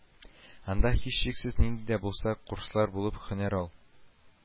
Анда, һичшиксез, нинди дә булса курслар булып, һөнәр ал